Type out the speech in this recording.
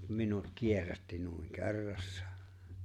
mutta minut kierrätti noin kerrassaan